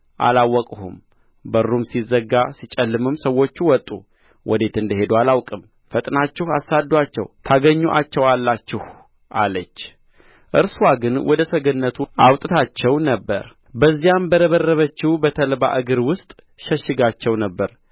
አላወቅሁም በሩም ሲዘጋ ሲጨልምም ሰዎቹ ወጡ ወዴት እንደ ሄዱ አላውቅም ፈጥናችሁ አሳድዱአቸው ታገኙአቸውማላችሁ አለች እርስዋ ግን ወደ ሰገነቱ አውጥታቸው ነበር በዚያም በረበረበችው በተልባ እግር ውስጥ ሸሽጋቸው ነበር